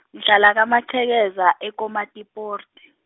ngihlala Kamachekeza, e- Komatipoort.